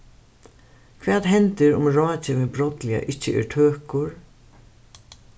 hvat hendir um ráðgevin brádliga ikki er tøkur